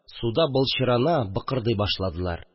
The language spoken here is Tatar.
Суда былчырана, быкырдый башладылар